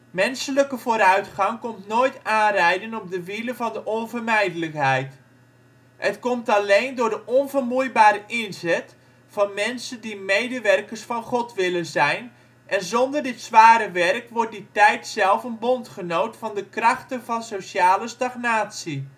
Menselijke vooruitgang komt nooit aanrijden op de wielen van de onvermijdelijkheid; het komt alleen door de onvermoeibare inzet van mensen die medewerkers van God willen zijn, en zonder dit zware werk wordt tijd zelf een bondgenoot van de krachten van sociale stagnatie